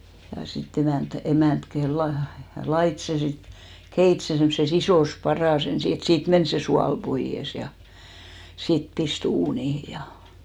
ja sitten emäntä emäntä -- laittoi sen sitten keitti sen semmoisessa isossa padassa ensin että siitä meni se suola pois ja sitten pisti uuniin ja